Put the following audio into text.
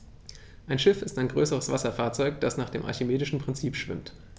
Ein Schiff ist ein größeres Wasserfahrzeug, das nach dem archimedischen Prinzip schwimmt.